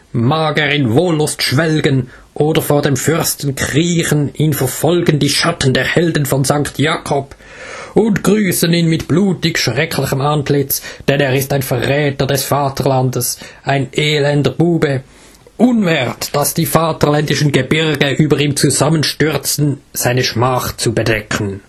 Mag er in Wohllust schwelgen, oder vor dem Fürsten kriechen, ihn verfolgen die Schatten der Helden von St. Jakob und grüssen ihn mit blutig-schrecklichem Antlitz, denn er ist ein Verräter des Vaterlandes, ein elender Bube, unwerth, dass die vaterländischen Gebirge über ihm zusammenstürzen, seine Schmach zu bedecken